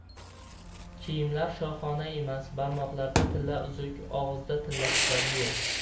kiyimlar shohona emas barmoqlarda tilla uzuk og'izda tilla tishlar yo'q